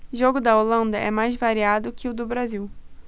jogo da holanda é mais variado que o do brasil